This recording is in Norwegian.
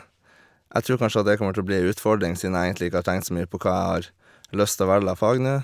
Jeg trur kanskje at det kommer til å bli ei utfordring siden jeg egentlig ikke har tenkt så mye på hva jeg har lyst til å velge av fag nå.